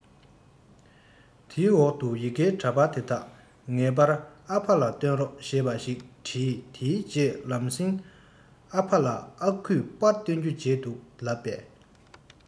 དེའི འོག ཏུ ཡི གེ འདྲ པར དེ དག ངེས པར ཨ ཕ ལ བཏོན རོགས ཞེས པ ཞིག བྲིས དེའི རྗེས ལམ སེང ཨ ཕ ལ ཨ ཁུས པར བཏོན རྒྱུ བརྗེད འདུག ལབ པས